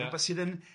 ...a rywbeth sydd yn